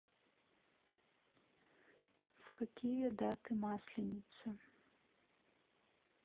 в какие даты масленница